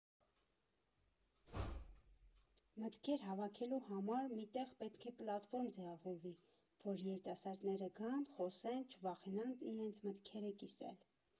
Մտքեր հավաքելու համար մի տեղ պետք է պլատֆորմ ձևավորվի, որ երիտասարդները գան, խոսեն, չվախենան իրենց մտքերը կիսել։